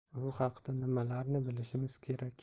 u haqda nimalarni bilishimiz kerak